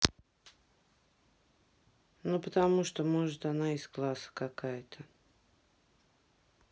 ну потому что может она из класса какая то